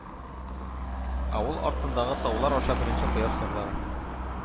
Авыл артындагы таулар аша беренче кояш нурлары